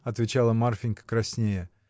— отвечала Марфинька, краснея.